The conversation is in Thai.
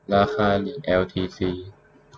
ราคาเหรียญแอลทีซี